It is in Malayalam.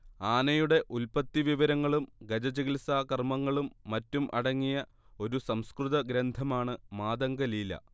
ആനയുടെ ഉത്പത്തിവിവരങ്ങളും ഗജചികിത്സാക്രമങ്ങളും മറ്റും അടങ്ങിയ ഒരു സംസ്കൃത ഗ്രന്ഥമാണ് മാതംഗലീല